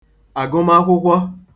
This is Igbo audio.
àgụmakwụkwọ